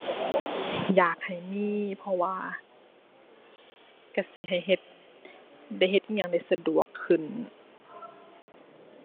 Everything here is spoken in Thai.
อยากให้มี เพราะว่าก็สิให้เฮ็ด ได้เฮ็ดอิหยังได้สะดวกขึ้น